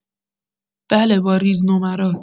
بله باریز نمرات